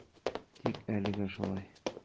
Тик әлегә шулай.